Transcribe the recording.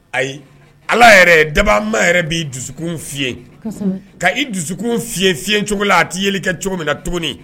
Ayi ala yɛrɛ daba ma yɛrɛ' dusukun fi ka i dusukun fi fi cogo la a t'i yeli kɛ cogo min na tuguni